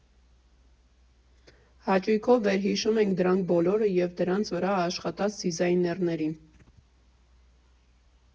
Հաճույքով վերհիշում ենք դրանք բոլորը և դրանց վրա աշխատած դիզայներներին։